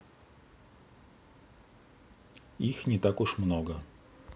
их не так уж много